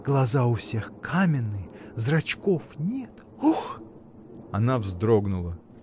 Глаза у всех каменные, зрачков нет. Ух! Она вздрогнула.